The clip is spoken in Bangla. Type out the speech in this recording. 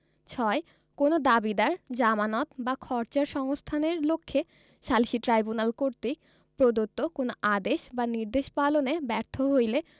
৬ কোন দাবীদার জামানত বা খরচার সংস্থানের লক্ষ্যে সালিসী ট্রাইব্যুনাল কর্তৃক প্রদত্ত কোন আদেশ বা নির্দেশ পালনে ব্যর্থ হইলে